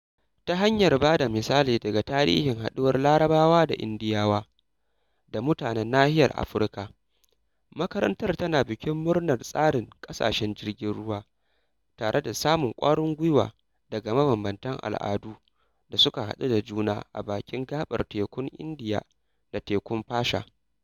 Ta hanyar ba da misali daga tarihin haɗuwar Larabawa da Indiyawa da mutanen nahiyar Afirka, makarantar tana bikin murnar tasirin "ƙasashen jirgin ruwa" tare da samun ƙwarin gwiwa daga mabambamtan al'adu da suka haɗu da juna a bakin gaɓar Tekun Indiya da Tekun Fasha.